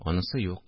Анысы юк